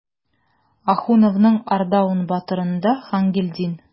Ахуновның "Ардуан батыр"ында Хангилдин.